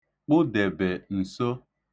kpụdèbè (ǹso)